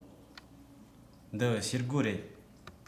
འདི ཤེལ སྒོ རེད